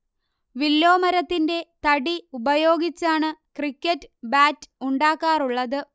വില്ലോമരത്തിന്റെ തടി ഉപയോഗിച്ചാണ് cricket bat ഉണ്ടാക്കാറുള്ളത്